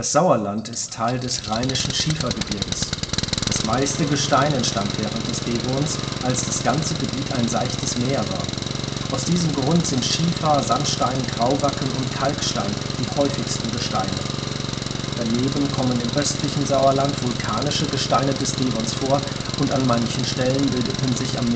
Sauerland ist Teil des Rheinischen Schiefergebirges. Das meiste Gestein entstand während des Devons, als das ganze Gebiet ein seichtes Meer war. Aus diesem Grund sind Schiefer, Sandstein, Grauwacken und Kalkstein die häufigsten Gesteine. Daneben kommen im östlichen Sauerland vulkanische Gesteine des Devons vor, und an manchen Stellen bildeten sich am